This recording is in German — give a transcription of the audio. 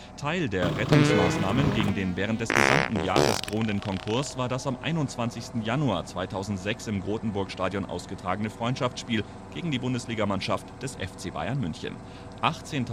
Teil der Rettungsmaßnahmen gegen den während des gesamten Jahres 2005 drohenden Konkurs war das am 21. Januar 2006 im Grotenburg-Stadion ausgetragene Freundschaftsspiel gegen die Bundesligamanschaft des FC Bayern München. 18.886